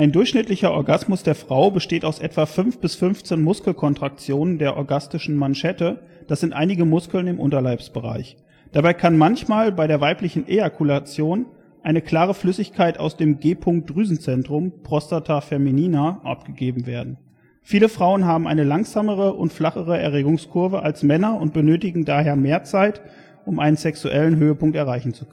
durchschnittlicher Orgasmus der Frau besteht aus etwa 5 bis 15 Muskelkontraktionen der „ orgastischen Manschette “, das sind einige Muskeln im Unterleibsbereich. Dabei kann manchmal bei der Weiblichen Ejakulation eine klare Flüssigkeit aus dem G-Punkt-Drüsenzentrum (Prostata feminina) abgegeben werden. Viele Frauen haben eine langsamere und flachere Erregungskurve als Männer und benötigen daher mehr Zeit, um einen sexuellen Höhepunkt erreichen zu